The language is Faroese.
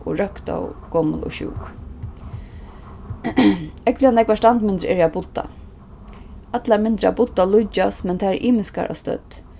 og røktaðu gomul og sjúk ógvuliga nógvar standmyndir eru av budda allar myndir av budda líkjast men tær eru ymiskar á stødd